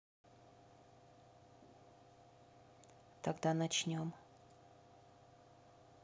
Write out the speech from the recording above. тогда начнем